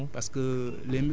day day faussé